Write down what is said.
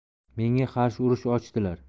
menga qarshi urush ochdilar